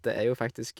Det er jo faktisk...